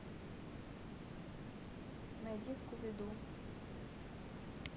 найди скуби ду